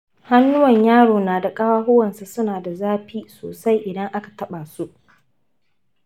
hanuwan yaro na da kafafunsa suna da zafi sosai idan aka taba su.